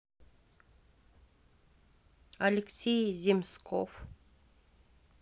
алексей земсков